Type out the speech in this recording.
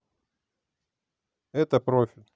это профиль